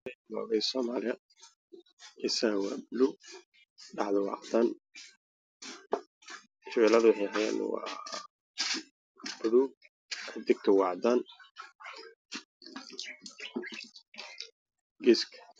Waxaa ii muuqato shabeel uu ku sawiran yahay meel caddaan ah iyo meel buluug waana astaanta calanka soomaaliya